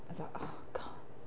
Fatha, "o God".